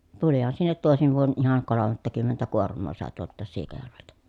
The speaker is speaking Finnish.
tulihan sinne toisena vuonna ihan kolmattakymmentä kuormaa sai tuolta Siikajärveltä